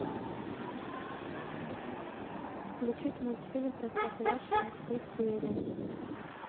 включить мультфильм простоквашино все серии